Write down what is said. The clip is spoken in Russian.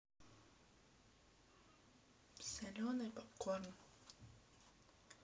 соленый попкорн